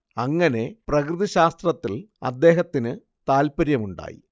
അങ്ങനെ പ്രകൃതി ശാസ്ത്രത്തിൽ അദ്ദേഹത്തിന് താല്പര്യമുണ്ടായി